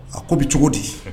A ko bɛ cogo di